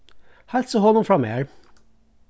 heilsa honum frá mær